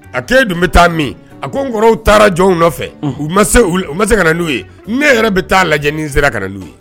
A'e dun bɛ taa min a ko n kɔrɔw taara jɔnw nɔfɛ u u ma se ka na n'u ye min yɛrɛ bɛ taa lajɛ ni sera ka na n'u ye